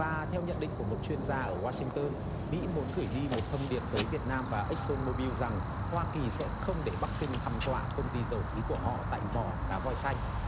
và theo nhận định của một chuyên gia ở goa sing tơn mỹ muốn gửi đi một thông điệp tới việt nam và ích sơn mô biu rằng hoa kỳ sẽ không để bắc kinh hăm dọa công ty dầu khí của họ tại mỏ cá voi xanh